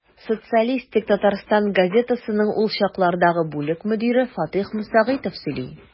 «социалистик татарстан» газетасының ул чаклардагы бүлек мөдире фатыйх мөсәгыйтов сөйли.